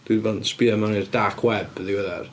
Dwi 'di bod yn sbïo mewn i'r dark web yn ddiweddar.